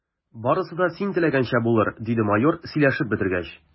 Барысы да син теләгәнчә булыр, – диде майор, сөйләшеп бетергәч.